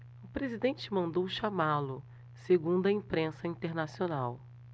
o presidente mandou chamá-lo segundo a imprensa internacional